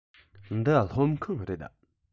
འདི སློབ ཁང རེད